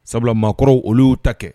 Sabula maakɔrɔ olu y'u ta kɛ